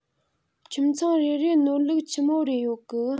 ཁྱིམ ཚང རེ རེ ནོར ལུག ཆི མོ རེ ཡོད གི